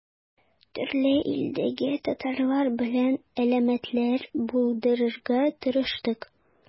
Төрле илдәге татарлар белән элемтәләр булдырырга тырыштык.